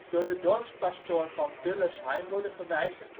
door de dorpspastoor van Döllersheim worden gewijzigd